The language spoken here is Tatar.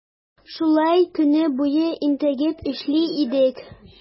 Шулай көне буе интегеп эшли идек.